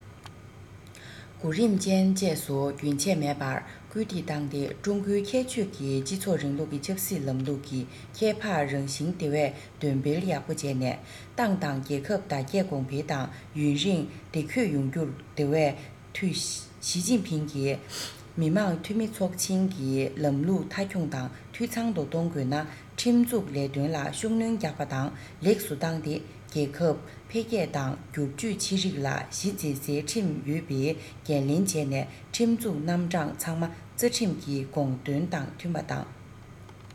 གོ རིམ ཅན བཅས སུ རྒྱུན ཆད མེད པར སྐུལ འདེད བཏང སྟེ ཀྲུང གོའི ཁྱད ཆོས ཀྱི སྤྱི ཚོགས རིང ལུགས ཀྱི ཆབ སྲིད ལམ ལུགས ཀྱི ཁྱད འཕགས རང བཞིན དེ བས འདོན སྤེལ ཡག པོ བྱས ནས ཏང དང རྒྱལ ཁབ དར རྒྱས གོང འཕེལ དང ཡུན རིང བདེ འཁོད ཡོང རྒྱུར དེ བས འཐུས ཞིས ཅིན ཕིང གིས མི དམངས འཐུས མི ཚོགས ཆེན གྱི ལམ ལུགས མཐའ འཁྱོངས དང འཐུས ཚང དུ གཏོང དགོས ན ཁྲིམས འཛུགས ལས དོན ལ ཤུགས སྣོན རྒྱག པ དང ལེགས སུ བཏང སྟེ རྒྱལ ཁབ འཕེལ རྒྱས དང སྒྱུར བཅོས ཆེ རིགས ལ གཞི འཛིན སའི ཁྲིམས ཡོད པའི འགན ལེན བྱས ནས ཁྲིམས འཛུགས རྣམ གྲངས ཚང མ རྩ ཁྲིམས ཀྱི དགོངས དོན དང མཐུན པ དང